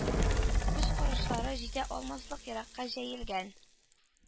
Күз карашлары җитә алмаслык еракка җәелгән.